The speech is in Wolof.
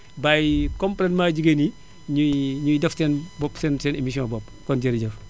bàyyi complètement jigéen yi énuy ñuy def seen bopp seen seen émission bopp kon jërërjëf